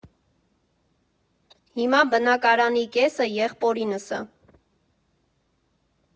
Հիմա բնակարանի կեսը եղբորինս ա։